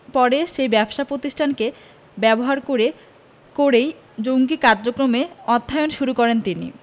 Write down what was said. পরে সেই ব্যবসা প্রতিষ্ঠানকে ব্যবহার করে করেই জঙ্গি কার্যক্রমে অর্থায়ন শুরু করেন তিনি